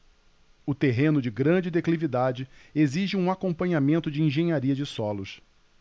o terreno de grande declividade exige um acompanhamento de engenharia de solos